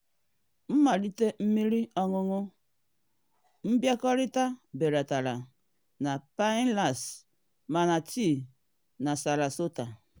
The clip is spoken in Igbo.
Mmelite Mmiri Anụnụ: Mbịakọta belatara na Pinellas, Manatee na Sarasota